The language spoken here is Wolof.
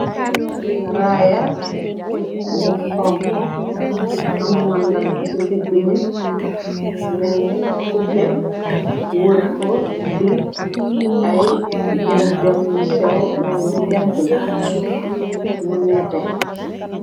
Raaya, bu xoñxu am màndarga si diggë bi melni kuppe wër ko, di am ay jam-jam yu sew melni jant bi mu nétte.